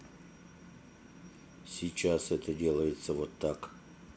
сейчас это делается вот так